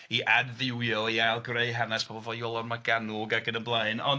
I adfywio i ailgreu hanes pobl fel Iolo Morgannwg ac yn y blaen ond...